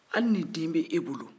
hali ni den bɛ e bolo